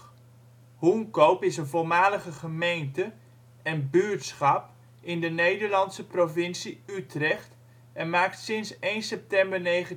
Hoenkoop is een voormalige gemeente en buurtschap in de Nederlandse provincie Utrecht en maakt sinds 1 september 1970